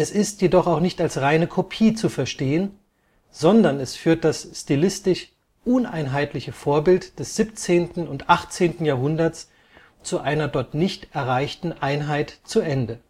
ist jedoch auch nicht als reine Kopie zu verstehen, sondern es führt das stilistisch uneinheitliche Vorbild des 17. und 18. Jahrhunderts zu einer dort nicht erreichten Einheit zu Ende